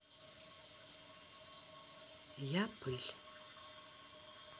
я пыль